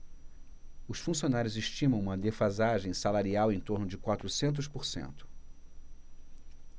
os funcionários estimam uma defasagem salarial em torno de quatrocentos por cento